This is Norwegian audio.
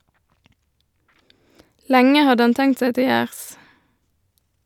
Lenge hadde han tenkt seg til jærs.